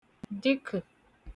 dịkə̀